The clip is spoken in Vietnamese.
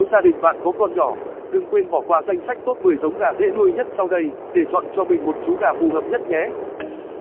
nếu gia đình bạn có con nhỏ đừng quên bỏ qua danh sách top giống gà dễ nuôi nhất sau đây để chọn cho mình một chú gà phù hợp nhất nhé